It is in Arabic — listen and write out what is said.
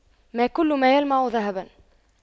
ما كل ما يلمع ذهباً